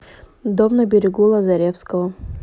дом на берегу лазаревского